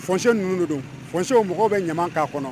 Fosi ninnu don fo o mɔgɔw bɛ ɲama'a kɔnɔ